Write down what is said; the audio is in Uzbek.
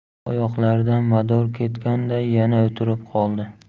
oyoqlaridan mador ketganday yana o'tirib qoldi